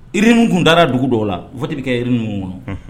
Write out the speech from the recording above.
Urne tun taara dugu dɔw la vote bɛ kɛ urne ninnu kɔnɔ.